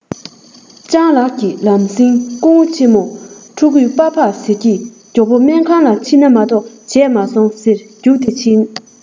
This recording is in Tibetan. སྤྱང ལགས ཀྱིས ལམ སེང སྐུ ངོ ཆེན མོ ཕྲུ གུས པྰ ཕ ཟེར གྱིས མགྱོགས པོ སྨན ཁང ལ ཕྱིན ན མ གཏོགས བྱས མ སོང ཟེར རྒྱུགས ཏེ ཕྱིན